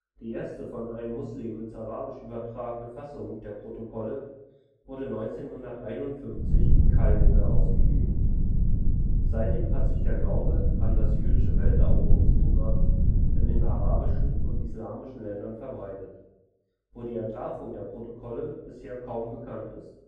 Die erste von einem Muslim ins Arabische übertragene Fassung der Protokolle wurde 1951 in Kairo herausgegeben. Seitdem hat sich der Glaube an das jüdische Welteroberungsprogramm in den arabischen und islamischen Ländern verbreitet, wo die Entlarvung der Protokolle bisher kaum bekannt ist